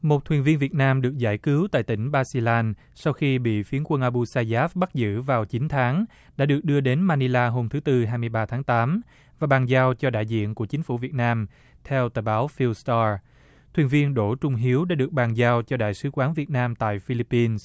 một thuyền viên việt nam được giải cứu tại tỉnh ba xi lan sau khi bị phiến quân a bu xa giáp bắt giữ vào chín tháng đã được đưa đến ma ni la hôm thứ tư hai mươi ba tháng tám và bàn giao cho đại diện của chính phủ việt nam theo tờ báo phiu xờ ta thuyền viên đỗ trung hiếu đã được bàn giao cho đại sứ quán việt nam tại phi líp pin